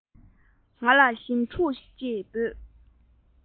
ང ལ ཞིམ ཕྲུག ཅེས འབོད